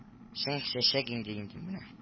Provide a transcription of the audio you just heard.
Чын чәчәк инде инде менә